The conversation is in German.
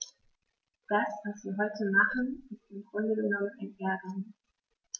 Das, was wir heute machen, ist im Grunde genommen ein Ärgernis.